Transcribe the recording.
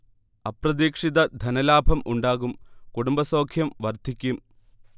അപ്രതീക്ഷിത ധനലാഭം ഉണ്ടാകും കുടുംബസൗഖ്യം വർധിക്കും